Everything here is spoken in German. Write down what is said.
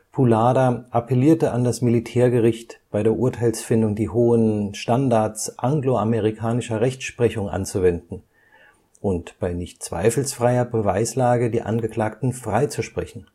Poullada appellierte an das Militärgericht, bei der Urteilsfindung die hohen „ Standards anglo-amerikanischer Rechtsprechung “anzuwenden und bei nicht zweifelsfreier Beweislage die Angeklagten freizusprechen